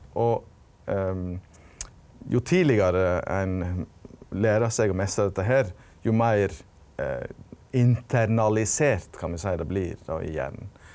og jo tidlegare ein lærer seg å meistra dette her, jo meir internalisert kan me seie det blir då i hjernen.